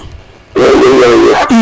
njoko njal boog